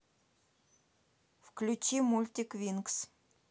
включи мультик винкс